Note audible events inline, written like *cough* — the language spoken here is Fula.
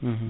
*hesitation* *hesitation*